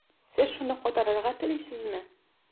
Сез шуны кайтарырга телисезме?